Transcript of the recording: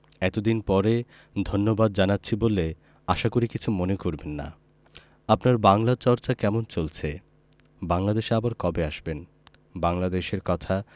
এতদিন পরে ধন্যবাদ জানাচ্ছি বলে আশা করি কিছু মনে করবেন না আপনার বাংলা চর্চা কেমন চলছে বাংলাদেশে আবার কবে আসবেন বাংলাদেশের কথা